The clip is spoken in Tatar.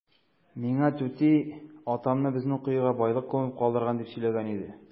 Миңа түти атамны безнең коега байлык күмеп калдырган дип сөйләгән иде.